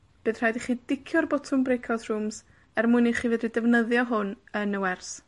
Bydd rhaid i chi dicio'r bwtwm Brake Out Rooms er mwyn i chi fedru defnyddio hwn yn y wers.